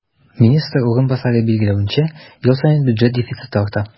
Министр урынбасары билгеләвенчә, ел саен бюджет дефициты арта.